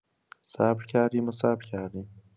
صبر کردیم و صبر کردیم.